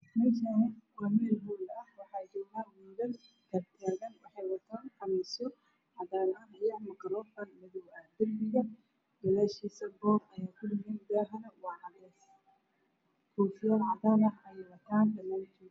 Meeshaani waa meel howl ah waxaa jooga wiilal taag taagan waxay wataan qamiisyo cagaaran iyo makaroofan darbiga hadaashiisa goof ayaa ku dhagan daahane waa cadays boorsooyin cadaan ah ayay wataan.